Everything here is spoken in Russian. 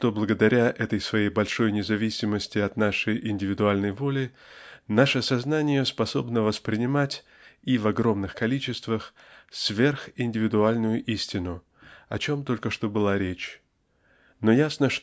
что благодаря этой своей большой независимости от нашей индивидуальной воли наше сознание способно воспринимать -- и в огромных количествах -- сверхиндивидуальную истину о чем только что была речь. Но ясно